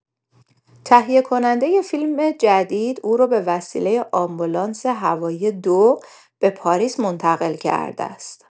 تهیه‌کنندۀ فیلم جدید او را به‌وسیلۀ آمبولانس هوایی ۲ به پاریس منتقل کرده است.